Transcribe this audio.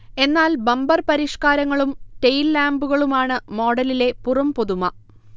എന്നാൽ ബമ്പർ പരിഷ്കാരങ്ങളും ടെയിൽ ലാമ്പുകളുമാണ് മോഡലിലെ പുറംപുതുമ